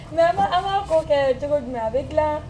Mais an ma ko kɛ cogo jumɛn a bɛ dila